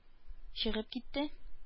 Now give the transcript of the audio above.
Чыгып китте